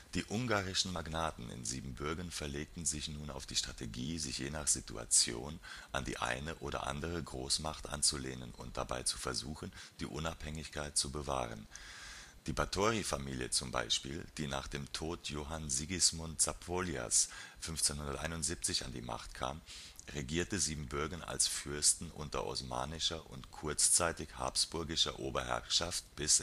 Die ungarischen Magnaten in Siebenbürgen verlegten sich nun auf die Strategie, sich je nach Situation an die eine oder andere Großmacht anzulehnen und dabei zu versuchen, die Unabhängigkeit zu bewahren. Die Báthory-Familie z.B., die nach dem Tod Johann Sigismund Zápolyas 1571 an die Macht kam, regierte Siebenbürgen als Fürsten unter osmanischer und kurzzeitig habsburgischer Oberherrschaft bis